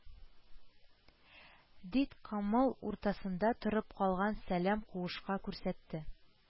Дит камыл уртасында торып калган салам куышка күрсәтте